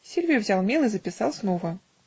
Сильвио взял мел и записал снова.